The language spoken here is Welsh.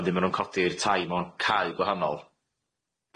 Ond w'dyn ma' nw'n codi'r tai mewn cau gwahanol